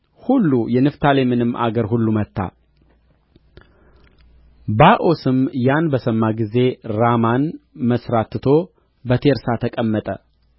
ሁሉ የንፍታሌምንም አገር ሁሉ መታ ባኦስም ያን በሰማ ጊዜ ራማን መሥራት ትቶ በቴርሳ ተቀመጠ ንጉሡም አሳ በይሁዳ ሁሉ ላይ አዋጅ ነገረ ማንም ነጻ አልነበረም ባኦስም የሠራበትን የራማን ድንጋይና እንጨት ወሰዱ